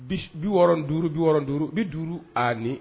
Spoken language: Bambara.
Biɔrɔn duuru duɔrɔn duuru bi duuru ani